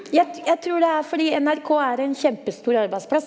je jeg tror det er fordi NRK er en kjempestor arbeidsplass.